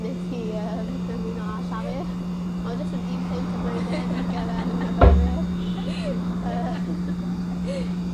Nes yym ymuno â Llafur. Ma' jyst yn un punt y flwyddyn ar gyfer myfyrwyr. Yy.